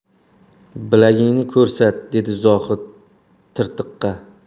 bilagingni ko'rsat dedi zohid tirtiqqa